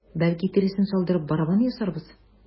Бәлки, тиресен салдырып, барабан ясарбыз?